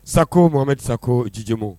Sago mamamɛ tɛ sago ko jijimu